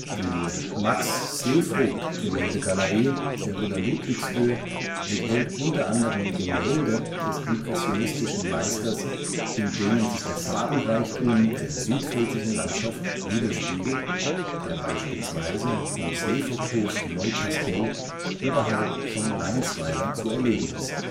Die „ Max Slevogt Gemäldegalerie “der Villa Ludwigshöhe enthält unter anderem Gemälde des impressionistischen Meisters, in denen sich der Farbenreichtum der südpfälzischen Landschaft widerspiegelt, der beispielsweise vom Slevogthof Neukastel oberhalb von Leinsweiler zu erleben ist